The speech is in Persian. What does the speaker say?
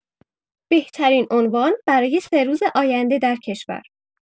بهترین عنوان برای سه روز آینده در کشور